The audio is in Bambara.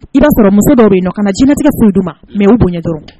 I b'a sɔrɔ muso dɔw yen nɔ kana dinɛnatigɛ foyi di u ma, mais u bonya dɔrɔn